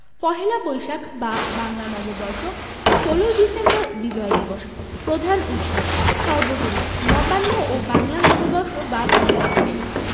পহেলা বৈশাখ বা বাংলা নববর্ষ ১৬ই ডিসেম্বর বিজয় দিবস প্রধান উৎসবঃ সর্বজনীন নবান্ন ও বাংলা নববর্ষ বা পহেলা বৈশাখ